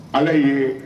Ala ye